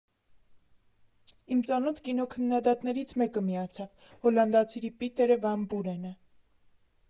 Իմ ծանոթ կինոքննադատներից մեկը միացավ՝ հոլանդացի Պիտերը վան Բուրենը։